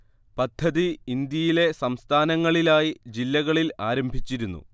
പദ്ധതി ഇന്ത്യയിലെ സംസ്ഥാനങ്ങളിലായി ജില്ലകളിൽ ആരംഭിച്ചിരുന്നു